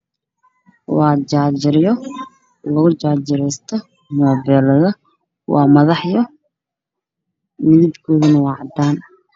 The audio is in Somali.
Waa jaajaro lugu jaajareysto muubeelada waa madaxyo midabkoodu waa cadaan.